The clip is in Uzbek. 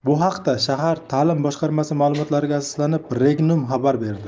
bu haqda shahar ta'lim boshqarmasi ma'lumotlariga asoslanib regnum xabar berdi